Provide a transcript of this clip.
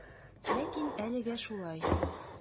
Ләкин әлегә шулай.